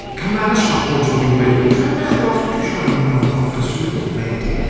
Cymera shot pob tro fi'n gweud, "W, sa i'n meddwl os fi 'di siarad am hwn ar y pod." Achos siwr o fod fi wedi.